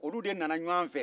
olu de nana ɲɔgɔn fɛ